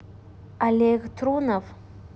олег трунов